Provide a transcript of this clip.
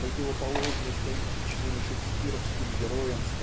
в противоположность античным и шекспировским героям